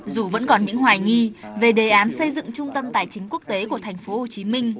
dù vẫn còn những hoài nghi về đề án xây dựng trung tâm tài chính quốc tế của thành phố hồ chí minh